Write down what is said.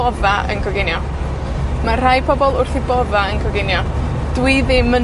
bodda' yn coginio. Ma' rhai pobol wrth 'u bodda' yn coginio. Dwi ddim yn